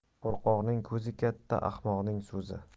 qo'rqoqning ko'zi katta ahmoqning so'zi